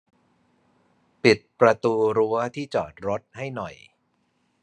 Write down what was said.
ปิดประตูรั้วที่จอดรถให้หน่อย